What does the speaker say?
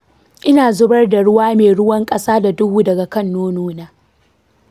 ina zubar da ruwa mai ruwan kasa da duhu daga kan nono na.